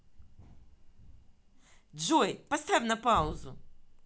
джой поставь на паузу